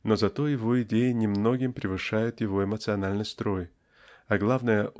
но зато его идеи не многим превышают его эмоциональный строй а главное